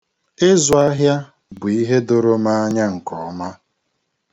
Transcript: Ịzụ ahịa bụ ihe doro m anya nke ọma